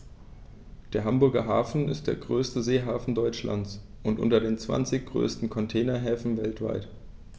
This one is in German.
Der Hamburger Hafen ist der größte Seehafen Deutschlands und unter den zwanzig größten Containerhäfen weltweit.